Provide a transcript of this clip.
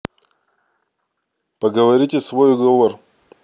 поговорите свой уговор